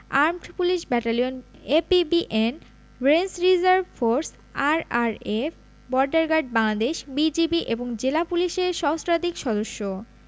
armed police battalion APBN range reserve force RRF border guard Bangladesh BGB এবং জেলা পুলিশের সহস্রাধিক সদস্য